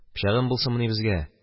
Пычагым булсынмыни безгә!